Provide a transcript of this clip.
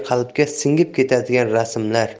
qalbga singib ketadigan rasmlar